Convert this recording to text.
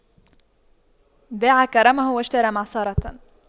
باع كرمه واشترى معصرة